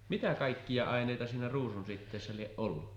mitä kaikkia aineita siinä ruusunsiteessä lie ollut